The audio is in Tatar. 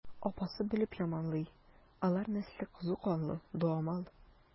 Апасы белеп яманлый: алар нәселе кызу канлы, дуамал.